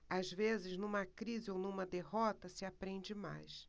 às vezes numa crise ou numa derrota se aprende mais